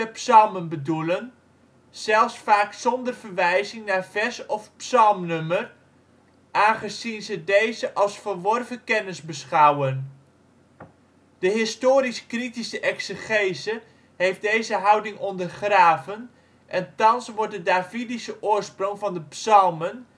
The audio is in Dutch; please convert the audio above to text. psalmen bedoelen, zelfs vaak zonder verwijzing naar vers of psalmnummer, aangezien ze deze als verworven kennis beschouwden. De historisch-kritische exegese heeft deze houding ondergraven en thans wordt de davidische oorsprong van de psalmen